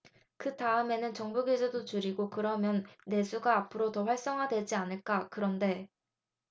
그 다음에는 정부 규제도 줄이고 그러면 내수가 앞으로 더 활성화되지 않을까 그런데